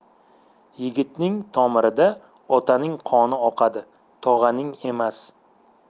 yigitning tomirida otaning qoni oqadi tog'aning emas